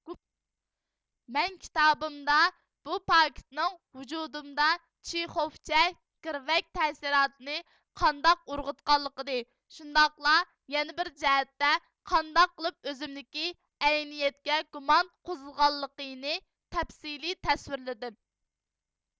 مەن كىتابىمدا بۇ پاكىتنىڭ ۋۇجۇدۇمدا چېخوفچە گىرۋەك تەسىراتىنى قانداق ئۇرغۇتقانلىقىنى شۇنداقلا يەنە بىر جەھەتتە قانداق قىلىپ ئۆزۈمدىكى ئەينىيەتكە گۇمان قوزغىغانلىقىنى تەپسىلىي تەسۋىرلىدىم